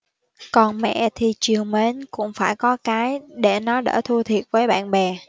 còn mẹ thì trìu mến cũng phải có cái để nó đỡ thua thiệt với bạn bè